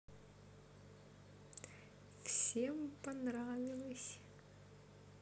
всем понравилоь